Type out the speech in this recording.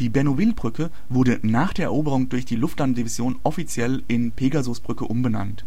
Die Benouvillebrücke wurde nach der Eroberung durch die Luftlandedivision offiziell in Pegasusbrücke umbenannt